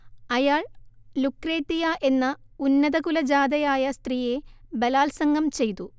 അയാൾ ലുക്രേത്തിയ എന്ന ഉന്നതകുലജാതയായ സ്ത്രീയെ ബലാത്സംഗം ചെയ്തു